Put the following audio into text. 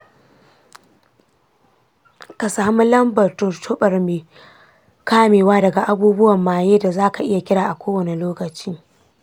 ka sami lambar tuntuɓar mai kamewa daga abubuwan maye da zaka iya kira a kowane lokaci.